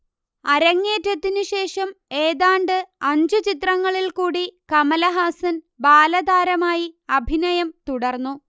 അരങ്ങേറ്റത്തിനു ശേഷം ഏതാണ്ട് അഞ്ചു ചിത്രങ്ങളിൽകൂടി കമലഹാസൻ ബാലതാരമായി അഭിനയം തുടർന്നു